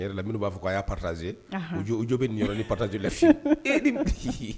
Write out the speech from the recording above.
E yɛrɛ lam minnu b'a fɔ a ye parazeju jo bɛ ninyɔrɔ ni pataj la fi e ni